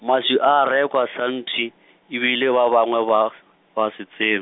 maswi a rekwa sampshi, e bile ba bangwe ba, ba se tseb-.